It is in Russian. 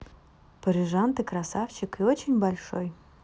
парижан ты красавчик и очень большой